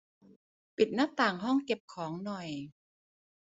ปิดหน้าต่างห้องเก็บของหน่อย